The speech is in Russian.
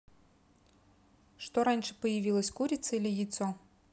что раньше появилось курица или яйцо